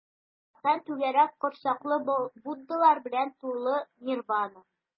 Бер яктан - түгәрәк корсаклы буддалар белән тулы нирвана.